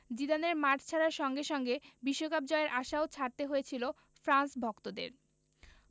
জিদানের মাঠ ছাড়ার সঙ্গে সঙ্গে বিশ্বকাপ জয়ের আশাও ছাড়তে হয়েছিল ফ্রান্স ভক্তদের